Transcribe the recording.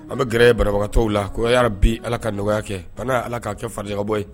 An bi gɛrɛ banabagatɔw la. Ko yarabi Ala ka nɔgɔya kɛ . Bana Ala ka kɛ farijakabɔ ye.